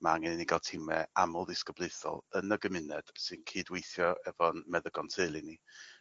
ma' angen i ni ga'l time amal ddisgyblaethol yn y gymuned sy'n cydweithio efo'n meddygon teulu ni.